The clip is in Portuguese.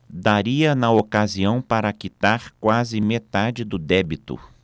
daria na ocasião para quitar quase metade do débito